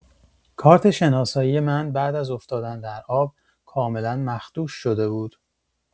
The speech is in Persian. کارت شناسایی من‌بعد از افتادن در آب، کاملا مخدوش شده بود.